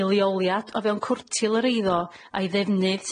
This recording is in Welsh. ei leoliad o fewn cwrtil yr eiddo a'i ddefnydd sy'n